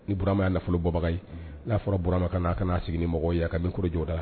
Ni buramaya nafolobaga ye n'a fɔra burama kan'a kana'a sigi ni mɔgɔ ye ka nijɔda la